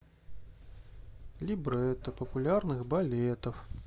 либретто популярных балетов